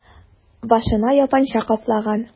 Башына япанча каплаган...